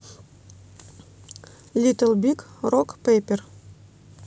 литл биг рок пейпер